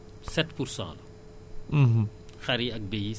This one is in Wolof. ñun ñu delloo la quatre vingt pour cent de deux cent mille muy cent soixante